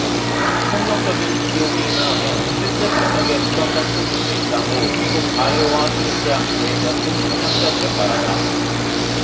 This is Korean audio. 폭력적인 비디오 게임을 하면 실제 폭력에 무감각해질 수 있다고 미국 아이오와 주립 대학교의 연구 심리학자들은 말한다